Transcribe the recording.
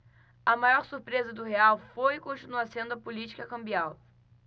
a maior surpresa do real foi e continua sendo a política cambial